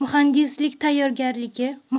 muhandislik tayyorgarligi